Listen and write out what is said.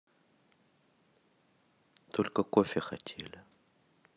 только кофе хотели